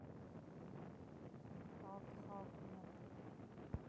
халк халк нет